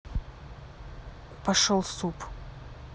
пошел суп